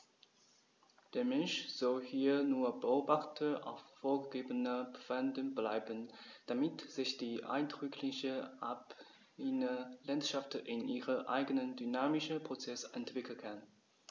Der Mensch soll hier nur Beobachter auf vorgegebenen Pfaden bleiben, damit sich die eindrückliche alpine Landschaft in ihren eigenen dynamischen Prozessen entwickeln kann.